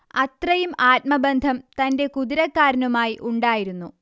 അത്രയും ആത്മബന്ധം തന്റെ കുതിരക്കാരനുമായി ഉണ്ടായിരുന്നു